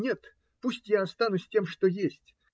Нет, пусть я останусь тем, что есть.